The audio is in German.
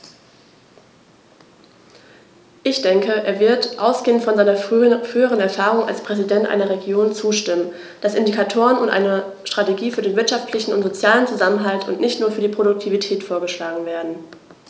Ich denke, er wird, ausgehend von seiner früheren Erfahrung als Präsident einer Region, zustimmen, dass Indikatoren und eine Strategie für den wirtschaftlichen und sozialen Zusammenhalt und nicht nur für die Produktivität vorgeschlagen werden.